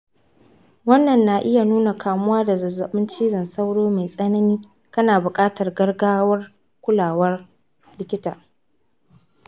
wannan na iya nuna kamuwa da zazzaɓin cizon sauro mai tsanani, kana buƙatar gaggawar kulawar likita.